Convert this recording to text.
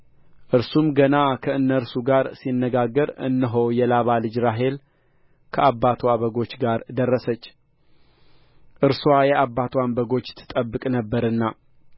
እርሱም ገና ከእነርሱ ጋር ሲነጋገር እነሆ የላባ ልጅ ራሔል ከአባትዋ በጎች ጋር ደረሰች እርስዋ የአባትዋን በጎች ትጠብቅ ነበርና